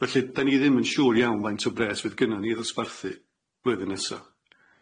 Felly, dan ni ddim yn siŵr iawn faint o bres fydd gynnon ni i ddosbarthu blwyddyn nesa.